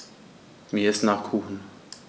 Mir ist nach Kuchen.